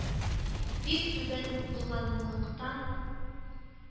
Бик түбән булганлыктан,